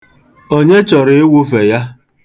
Onye chọrọ ịwụfe ya?